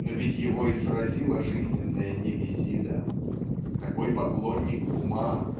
но ведь его и сразила жизненная Немезида такой поклонник ума